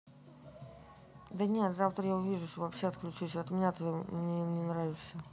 да нет завтра я увижусь вообще отключусь от тебя ты мне не нравишься